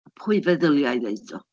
Pwy feddyliai ei ddeud o?